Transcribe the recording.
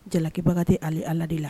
Jalakibaga tɛ ale Ala de la.